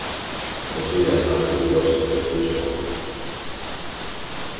og síðani kapping við rossi og stríðsvogni